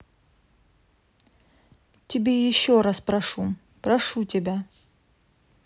тебе еще раз прошу прошу тебя